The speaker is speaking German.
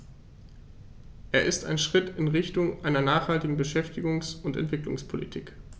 Er ist ein Schritt in Richtung einer nachhaltigen Beschäftigungs- und Entwicklungspolitik.